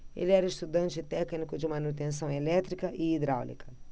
ele era estudante e técnico de manutenção elétrica e hidráulica